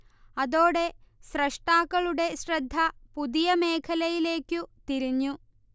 അതോടെ സ്രഷ്ടാക്കളുടെ ശ്രദ്ധ പുതിയമേഖലയിലേക്കു തിരിഞ്ഞു